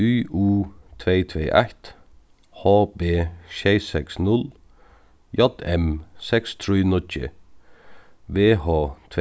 y u tvey tvey eitt h b sjey seks null j m seks trý níggju v h